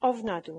Ofnadw.